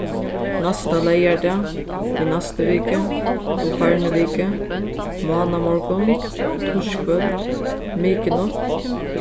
næsta leygardag í næstu viku í farnu viku mánamorgun týskvøld mikunátt